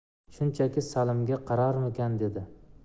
shunchaki salimga qararmikan dedi